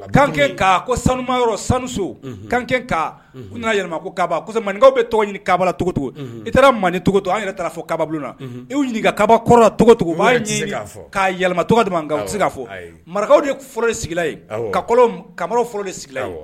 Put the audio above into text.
Kan sanu sanu kan yɛlɛma ko maninkaw bɛ tɔgɔ ɲini kaba cogo to i taara man to an yɛrɛ fɔ kaba i kaba kɔrɔ cogo' yɛlɛma tɔgɔ se ka fɔ marakaw de fɔlɔ ka fɔlɔ